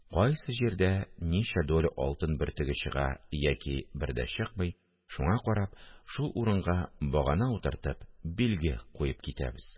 Кайсы җирдә ничә доля алтын бөртеге чыга яки бер дә чыкмый, шуңа карап, шул урынга багана утыртып, билге куеп китәбез